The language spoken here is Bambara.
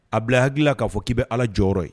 A bila hakiliki k'a fɔ k'i bɛ ala jɔyɔrɔ ye